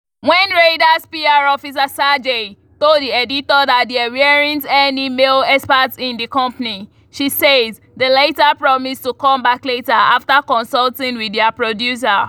When Reyder’s PR officer Sergey told the editor that there weren’t any male experts in the company, she says, the latter promised to come back later after consulting with their producer.